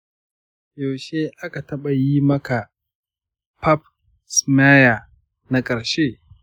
yaushe aka taba yi maki pap smear na karshe?